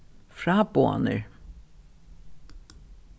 fráboðanir